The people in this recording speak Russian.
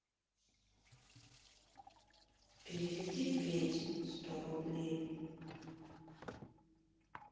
переведи пете сто рублей